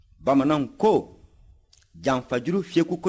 bamanan ko janfajuru fyeku kojugu a bɛ fereke i yɛrɛ kan la